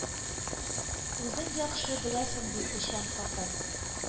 Үзең яхшы беләсең бит печән хакын, —